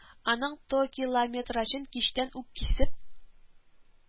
Аның токилометрачын кичтән үк кисеп